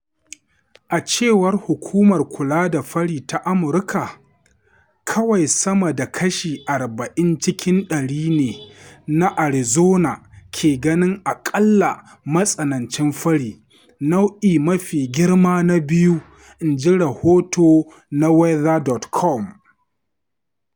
A cewar Hukumar Kula da Fari ta Amurka, kawai sama da kashi 40 cikin ɗari ne na Arizona ke ganin aƙalla matsanancin fari, nau’i mafi girma na biyu,” inji rahoto na weather.com.